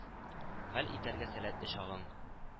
Хәл итәргә сәләтле чагың